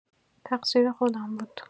تقصیر خودم بود.